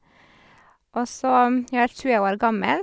Og så jeg er tjue år gammel.